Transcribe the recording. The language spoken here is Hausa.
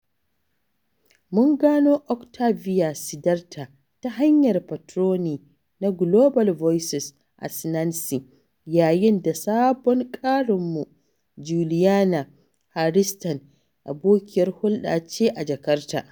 Mun gano Oktavia Sidharta ta hanyar Portnoy na Global Voices a Sinanci, yayin da sabon ƙarinmu ma, Juliana Harsianti, abokiyar hulɗata ce a Jakarta.